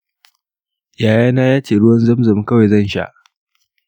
yaya na yace ruwan zam zam kaɗai zan sha